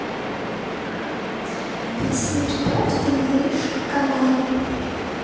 песня припев ты горишь как огонь